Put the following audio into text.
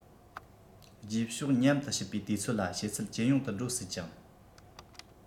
རྗེས ཕྱོགས མཉམ དུ གཤིབ པའི དུས ཚོད ལ བྱེད ཚད ཇེ ཉུང དུ འགྲོ སྲིད ཅིང